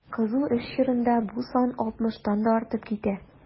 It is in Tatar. Кызу эш чорында бу сан 60 тан да артып китә.